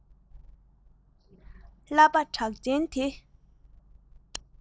གླུ པ གྲགས ཅན དེ